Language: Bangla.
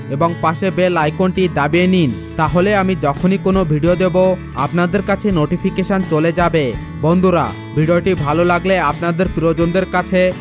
এবং পাশের বেল আইকনটি দাবিয়ে নিন তাহলে আমি যখনই কোন ভিডিও দেব আপনাদের কাছে নোটিফিকেশন চলে যাবে বন্ধুরা ভিডিওটি ভালো লাগলে আপনাদের প্রিয় জন দের কাছে